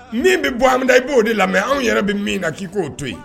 Min bɛ bɔ an da i b'o de lamɛn anw yɛrɛ bɛ min kan k'i k'o to yen.